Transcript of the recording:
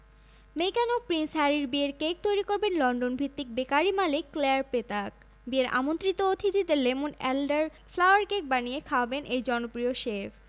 এখন থেকেই উইন্ডসরের রাস্তায় টহল দিতে শুরু করেছে অস্ত্রধারী ও সাদাপোশাকের বেশ কয়েকজন পুলিশ পুলিশ ছাড়াও ১৯ মে পর্যন্ত সার্চ ডগ দিয়ে পুরো এলাকা পাহারা দেওয়ানো হচ্ছে